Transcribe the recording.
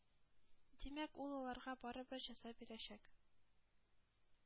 Димәк, ул аларга барыбер җәза бирәчәк.